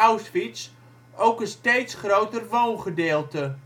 Auschwitz ook een steeds groter " woongedeelte